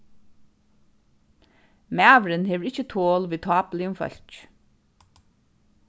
maðurin hevur ikki tol við tápuligum fólki